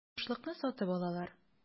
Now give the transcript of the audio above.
Ә ашлыкны сатып алалар.